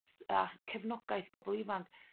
s- a ch- cefnogaeth bobl ifan'.